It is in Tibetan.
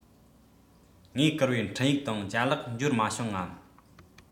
ངས བསྐུར བའི འཕྲིན ཡིག དང ཅ ལག འབྱོར མ བྱུང ངམ